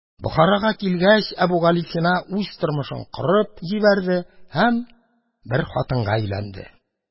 Бохарага килгәч, Әбүгалисина үз тормышын корып җибәрде һәм бер хатынга өйләнде.